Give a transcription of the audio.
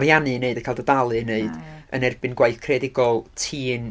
ariannu i neud, a cael dy dalu i neud, yn erbyn gwaith creadigol ti'n...